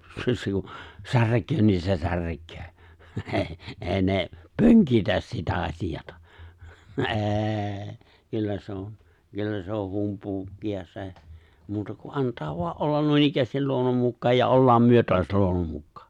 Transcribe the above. -- särkee niin se särkee ei ei ne pönkitä sitä asiaa ei kyllä se on kyllä se on humpuukia se muuta kuin antaa vain olla noinikään luonnon mukaan ja ollaan me taas luonnon mukaan